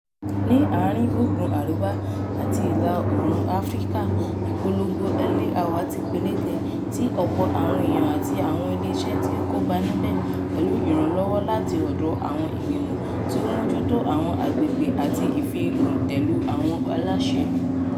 Ní àárín gbùngbù Àríwá àti ìlà oòrùn Africa, ìpolongo Early Hour tí peléke tí ọ̀pọ̀ àwọn eèyàn àti àwọn iléeṣẹ́ sì ń kópa nibẹ̀, pẹ̀lú ìranlọ́wọ́ láti ọ̀dọ̀ àwọn ìgbìmọ̀ tó ń mójútó àwọn agbègbè àti ìfi-òǹtẹ̀lù àwọn aláṣẹ.